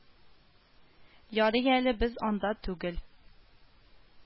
Ярый әле без анда түгел